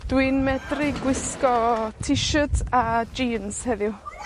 Dwi'n medru gwisgo t shirts a jîns heddiw.